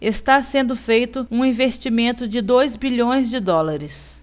está sendo feito um investimento de dois bilhões de dólares